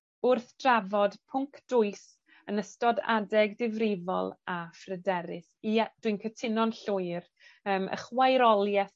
wrth drafod pwnc dwys yn ystod adeg difrifol a phryderus. Ie, dwi'n cytuno'n llwyr yym y chwaerolieth